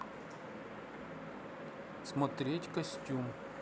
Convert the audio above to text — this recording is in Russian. смотреть костюм